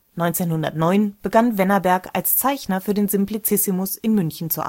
1909 begann Wennerberg als Zeichner für den „ Simplicissimus “in München zu